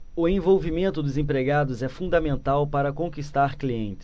o envolvimento dos empregados é fundamental para conquistar clientes